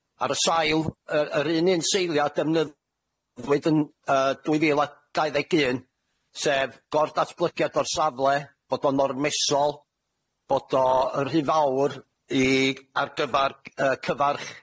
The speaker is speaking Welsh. Ar y sail yy yr un un seilia' defnyddiwyd yn yy dwy fil a dau ddeg un, sef gor-datblygiad o'r safle, bod o'n ormesol, bod o yn rhy fawr i- ar gyfar yy cyfarch